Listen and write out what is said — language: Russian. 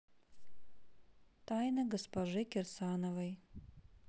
тайна госпожи кирсановой